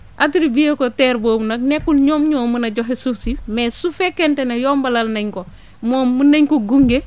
attribué ko terre boobu nag nekkul ñoom ñoo mën a joxe suuf si mais su fekkente ne yombalal nañ ko moom mun nañ ko gunge